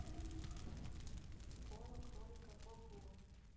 школа кролика бо бо